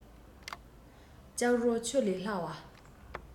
སྐྱག རོ ཆུ ལས སླ བ